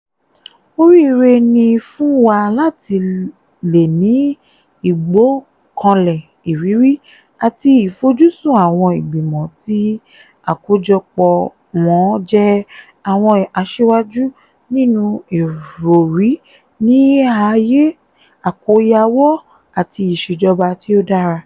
Oríire ni fún wa láti le ní ìgbọ́kànlé ìrírí àti ìfojúsùn àwọn ìgbìmọ̀ tí àkójọpọ̀ wọn jẹ àwọn asíwájú nínú ìròrí ní ààyè àkóyawọ́ àti ìṣèjọba tí ó dára.